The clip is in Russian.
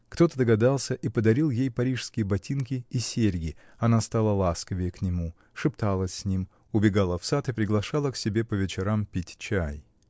Кто-то догадался и подарил ей парижские ботинки и серьги, она стала ласковее к нему: шепталась с ним, убегала в сад и приглашала к себе по вечерам пить чай.